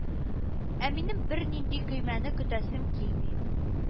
Ә минем бернинди көймәне көтәсем килми